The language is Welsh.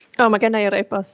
O mae genna i yr e-bost